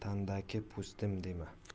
dema tandagi po'stim dema